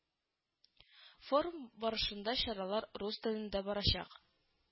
Форум барышында чаралар рус телендә барачак